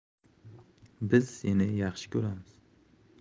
biz seni yaxshi ko'ramiz